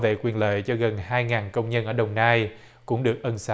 vệ quyền lợi cho gần hai ngàn công nhân ở đồng nai cũng được ân xá